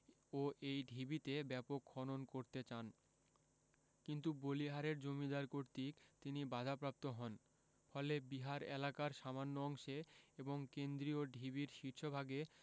ও এই ঢিবিতে ব্যাপক খনন করতে চান কিন্তু বলিহারের জমিদার কর্তৃক তিনি বাধাপ্রাপ্ত হন ফলে বিহার এলাকার সামান্য অংশে এবং কেন্দ্রীয় ঢিবির শীর্ষভাগে